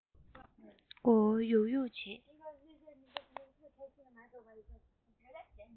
མགོ བོ གཡུག གཡུག བྱེད